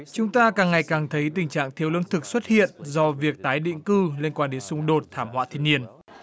chúng ta càng ngày càng thấy tình trạng thiếu lương thực xuất hiện do việc tái định cư liên quan đến xung đột thảm họa thiên nhiên